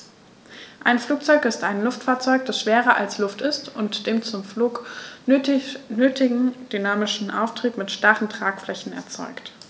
Ein Flugzeug ist ein Luftfahrzeug, das schwerer als Luft ist und den zum Flug nötigen dynamischen Auftrieb mit starren Tragflächen erzeugt.